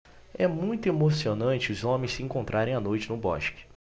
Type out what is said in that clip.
é muito emocionante os homens se encontrarem à noite no bosque